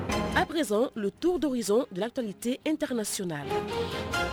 Apson tu dɔw y son dilantɔli tɛ n taga sunda la